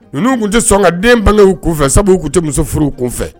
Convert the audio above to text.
Ninnu tun tɛ sɔn ka den bangekew kun fɛ sabu tun tɛ muso furuw kun fɛ